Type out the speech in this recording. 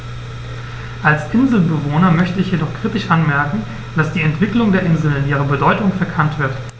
Als Inselbewohner möchte ich jedoch kritisch anmerken, dass die Entwicklung der Inseln in ihrer Bedeutung verkannt wird.